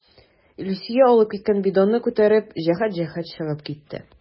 Илсөя алып килгән бидонны күтәреп, җәһәт-җәһәт чыгып китте.